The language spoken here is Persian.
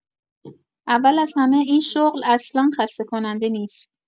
اول از همه، این شغل اصلا خسته‌کننده نیست.